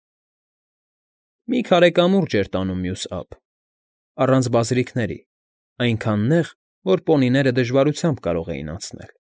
Մի քարե կամուրջ էր տանում մյուս ափ, առանց բազրիքների, այնքան նեղ, որ պոնիները դժվարությամբ կարող էին անցնել։